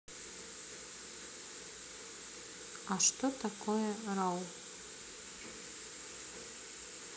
а что такое raw